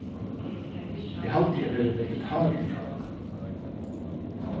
eg haldi eg verði vegetarur